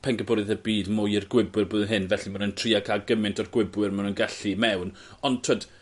pencampwrieth y byd mwy i'r gwibwyr blwyddyn hyn felly ma' nw'n trio ca'l gyment o'r gwibwyr ma' nw'n gallu i mewn on' t'wod